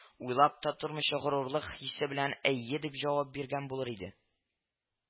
Уйлап та тормыйча горурлык хисе белән әйе дип җавап биргән булыр иде